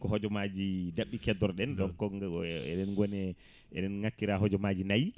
ko hojomaji dabɓi keddora ɗen donc eɗen gone eɗen ngakkira hojomaji nayyi